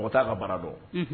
A t taa ka baara dɔn